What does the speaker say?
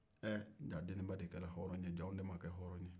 ɛ jaa deniba de kɛra hɔrɔn ye j'anw de makɛ hɔrɔn ye